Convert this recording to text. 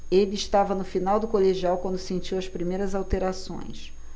ele estava no final do colegial quando sentiu as primeiras alterações